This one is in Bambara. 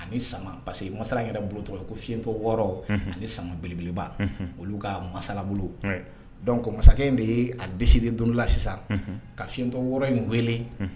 Ani san parce masa yɛrɛ bolo tɔgɔ ye ko fiɲɛyɛntɔ wɔɔrɔ ani san belebeleba olu ka masala bolo masakɛ in de ye a de de donla sisan ka fiɲɛyɛntɔ wɔɔrɔ in weele